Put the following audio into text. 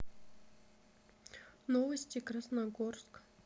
новости красногорск